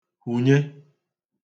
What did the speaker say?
hunye